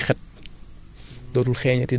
nooy xamee ne sa compost boobu ngay defar ñor na